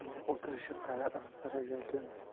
uning o'tirishini qara yulishga chog'langan mushukka o'xshaydi ya